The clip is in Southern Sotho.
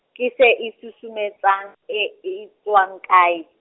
kese e susumetsang, e etswa kae?